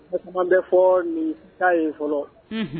Fɔkuman bɛ fɔɔ niin ta ye fɔlɔ unhun